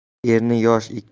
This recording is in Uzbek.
erning yoshi ikki